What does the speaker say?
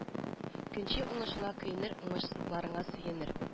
Көнче уңышыңа көенер уңышсызлыкларыңа сөенер